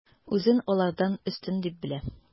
Үзен алардан өстен дип белә.